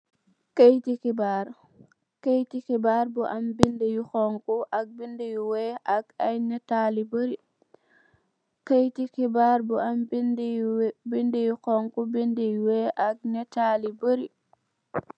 Kayiti xibarr bu bindi yu xonxu ak bindi wèèx ak nital yu barri.